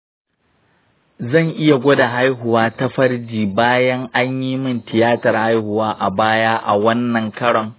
zan iya gwada haihuwa ta farji bayan an yi min tiyatar haihuwa a baya a wannan karon?